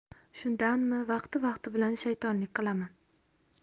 shundanmi vaqti vaqti bilan shaytonlik qilaman